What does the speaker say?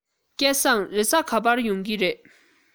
སྐལ བཟང རེས གཟའ ག པར ཡོང གི རེད